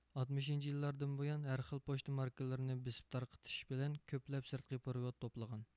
ئاتمىشىنچى يىللاردىن بۇيان ھەرخىل پوچتا ماركىلىرىنى بېسىپ تارقىتىش بىلەن كۆپلەپ سىرتقى پېرېۋوت توپلىغان